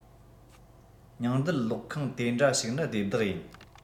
ཉིང རྡུལ གློག ཁང དེ འདྲ ཞིག ནི སྡེ བདག ཡིན